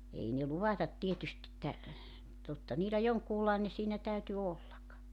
ei ne luvatta tietysti että totta niillä jonkunlainen siinä täytyi olla